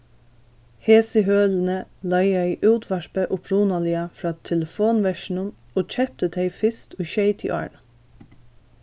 hesi hølini leigaði útvarpið upprunaliga frá telefonverkinum og keypti tey fyrst í sjeytiárunum